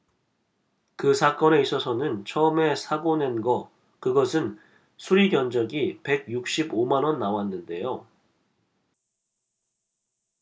그 사건에 있어서는 처음에 사고 낸 거 그것은 수리 견적이 백 육십 오 만 원 나왔는데요